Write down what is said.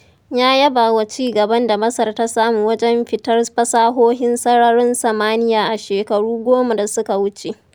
Ya yaba wa ci-gaban da Masar ta samu wajen fitar fasahohin sararin samaniya a shekaru goma da suka wuce.